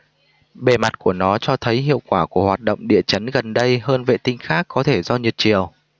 bề mặt của nó cho thấy dấu hiệu của hoạt động địa chất gần đây hơn vệ tinh khác có thể do nhiệt triều